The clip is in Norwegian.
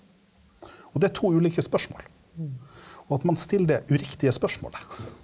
og det er to ulike spørsmål, og at man stiller det uriktige spørsmålet.